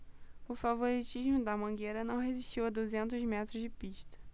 o favoritismo da mangueira não resistiu a duzentos metros de pista